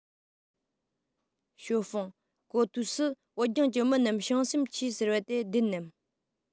ཞའོ ཧྥུང གོ ཐོས སུ བོད ལྗོངས ཀྱི མི རྣམས བྱང སེམས ཆེ ཟེར བ དེ བདེན ནམ